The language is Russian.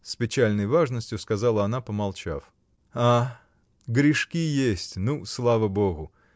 — с печальной важностью сказала она, помолчав. грешки есть: ну, слава Богу!